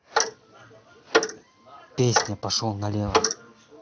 песня пошел налево